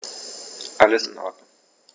Alles in Ordnung.